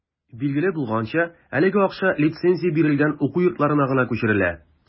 Билгеле булганча, әлеге акча лицензия бирелгән уку йортларына гына күчерелә.